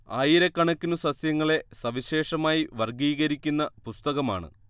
ആയിരക്കണക്കിനു സസ്യങ്ങളെ സവിശേഷമായി വർഗ്ഗീകരിക്കുന്ന പുസ്തകമാണ്